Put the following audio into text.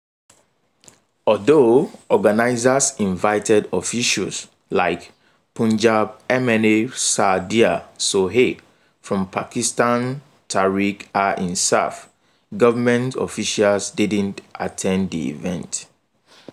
Although organizers invited officials, like Punjab MNA Saadia Sohail from Pakistan Tehreek e Insaf, government officials didn't attend the event.